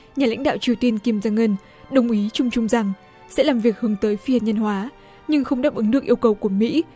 nhà lãnh đạo triều tiên kim rong un đồng ý chung chung rằng sẽ làm việc hướng tới phi hạt nhân hóa nhưng không đáp ứng được yêu cầu của mỹ